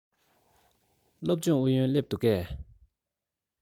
སློབ སྦྱོང ཨུ ཡོན སླེབས འདུག གས